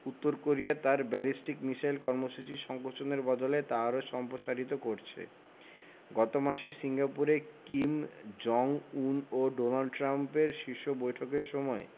উত্তর কোরিয়া তার ballistic missile কর্মসূচি সংকোচনের বদলে তা আরও সম্প্রসারিত করছে গত মাসে সিঙ্গাপুরে কিম জং উন ও ডোনাল্ড ট্রাম্পের শীর্ষ বৈঠকের সময়